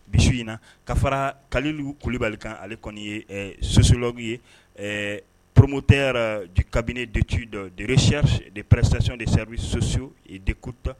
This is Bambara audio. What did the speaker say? Bi su in na ka faraa Kalilu Kulubali kan ale kɔni ye ɛɛ sociologue ye ɛɛ promoteur du cabinet d'études de recherche de prestation des services sociaux et d'écoute